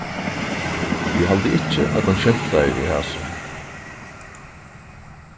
eg haldi ikki at hon skemtaði við hasum